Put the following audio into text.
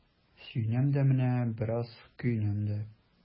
Сөенәм дә менә, бераз көенәм дә.